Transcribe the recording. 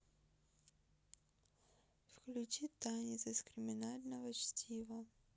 включи танец из криминального чтива